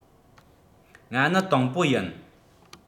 ང ནི དང པོ ཡིན